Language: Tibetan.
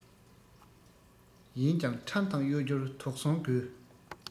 ཡིན ཀྱང ཁྲམ དང གཡོ སྒྱུར དོགས ཟོན དགོས